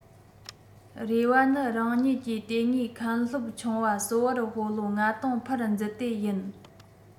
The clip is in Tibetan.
རེ བ ནི རང ཉིད ཀྱིས དེ སྔའི མཁན སློབ ཆུང བ བསོད འར སྤོ ལོ ༥༠༠༠ ཕར འཛུལ དེ ཡིན